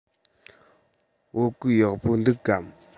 བོད གོས ཡག པོ འདུག གམ